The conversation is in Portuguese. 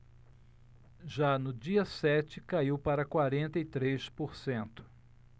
já no dia sete caiu para quarenta e três por cento